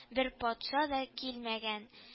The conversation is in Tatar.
Бер патша да кимәгән